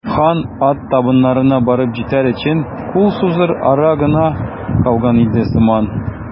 Хан ат табыннарына барып җитәр өчен кул сузыр ара гына калган иде сыман.